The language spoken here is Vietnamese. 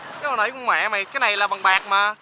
cái hồi nãy con mẹ mày cái này là bằng bạc mà